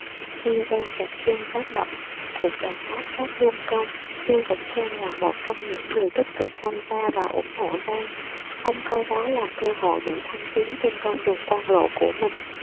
khi giang trạch dân phát động cuộc đàn áp pháp luân công chu vĩnh khang là một trong những người tích cực tham gia và ủng hộ giang ông coi đó là cơ hội để thăng tiến trên con đường quan lộ của mình